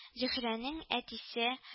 Зөһрәнең әтисе